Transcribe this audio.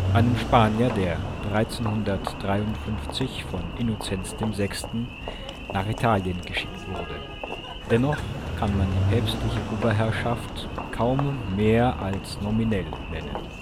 einem Spanier, der 1353 von Innozenz VI. nach Italien geschickt wurde. Dennoch kann man die päpstliche Oberherrschaft kaum mehr als nominell nennen